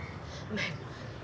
mệt